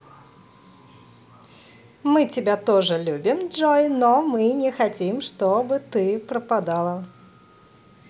мы тебя тоже любим джой но мы не хотим чтобы ты пропадала